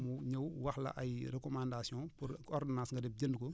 mu ñëw wax la ay recommandations pour ordonnances nga dem jënd ko